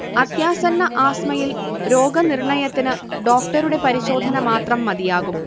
അത്യാസന്ന ആസ്മയിൽ രോഗനിർണയത്തിനു ഡോക്ടറുടെ പരിശോധന മാത്രം മതിയാകും